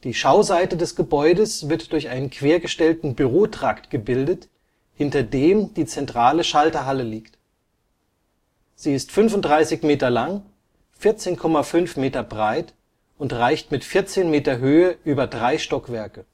Schauseite des Gebäudes wird durch einen quergestellten Bürotrakt gebildet, hinter dem die zentrale Schalterhalle liegt. Sie ist 35 m lang, 14,5 m breit und reicht mit 14 m Höhe über drei Stockwerke